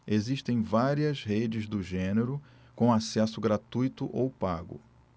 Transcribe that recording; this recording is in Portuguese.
existem várias redes do gênero com acesso gratuito ou pago